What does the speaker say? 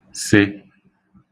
sị̄